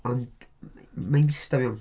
Ond mae'n ddistaw iawn.